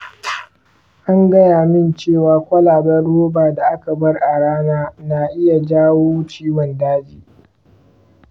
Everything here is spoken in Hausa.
an gaya min cewa kwalaben roba da aka bar a rana na iya jawo ciwon daji.